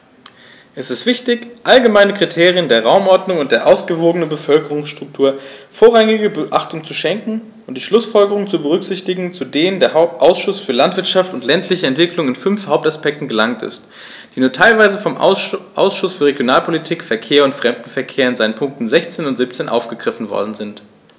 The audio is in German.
Es ist wichtig, allgemeinen Kriterien der Raumordnung und der ausgewogenen Bevölkerungsstruktur vorrangige Beachtung zu schenken und die Schlußfolgerungen zu berücksichtigen, zu denen der Ausschuss für Landwirtschaft und ländliche Entwicklung in fünf Hauptaspekten gelangt ist, die nur teilweise vom Ausschuss für Regionalpolitik, Verkehr und Fremdenverkehr in seinen Punkten 16 und 17 aufgegriffen worden sind.